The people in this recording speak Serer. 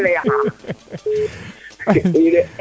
maak we daal na yaqa